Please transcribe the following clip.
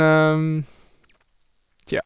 Tja.